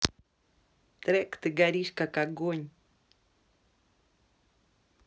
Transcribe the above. трек ты горишь как огонь